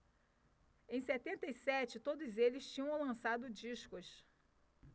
em setenta e sete todos eles tinham lançado discos